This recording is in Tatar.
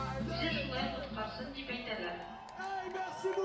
Үзен шулай коткарсын дип әйтәләр